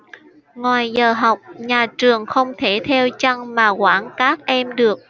ngoài giờ học nhà trường không thể theo chân mà quản các em được